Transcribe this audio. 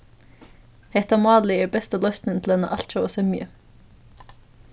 hetta málið er besta loysnin til eina altjóða semju